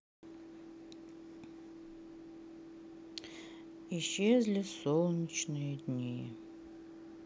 исчезли солнечные дни